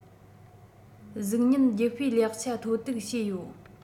གཟུགས བརྙན རྒྱུ སྤུས ལེགས ཆ ཐོ གཏུག བྱེད ཡོད